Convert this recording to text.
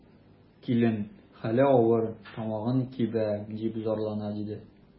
Килен: хәле авыр, тамагым кибә, дип зарлана, диде.